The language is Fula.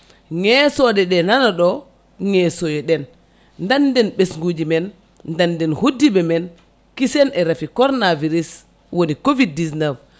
ngesoɗeɗe nana ɗo ngesoyoɗen danden ɓesguji men danden hoddiɓe men kisen e rafi corona virus woni COVID 19